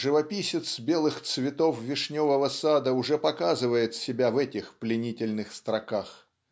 живописец белых цветов вишневого сада уже показывает себя в этих пленительных строках